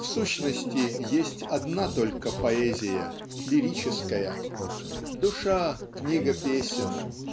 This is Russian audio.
в сущности, есть одна только поэзия - лирическая. Душа - книга песен.